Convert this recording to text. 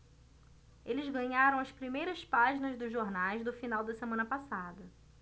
eles ganharam as primeiras páginas dos jornais do final da semana passada